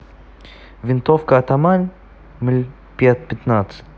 винтовка атаман мл пятнадцать